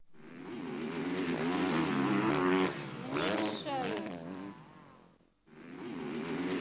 мне мешают